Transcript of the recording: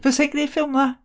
Bysa hi'n gwneud ffilm dda?